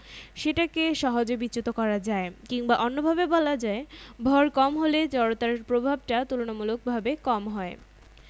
সেটা এখনো বলা হয়নি এটা যদি পদার্থবিজ্ঞানের বই না হয়ে অন্য কোনো বই হতো তাহলে বল প্রয়োগ এর জায়গায় শক্তি প্রয়োগ কথাটা ব্যবহার করলেও বাক্যটায় অর্থের কোনো উনিশ বিশ হতো না